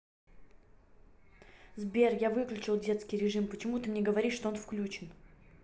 сбер я выключил детский режим почему ты мне говоришь что он включен